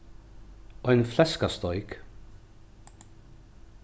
ein fleskasteik